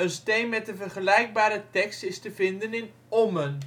steen met een vergelijkbare tekst is te vinden in Ommen